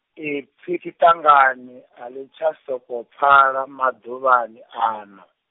ipfi tshiṱangani a ḽi tsha sokou pfala maḓuvhani ano.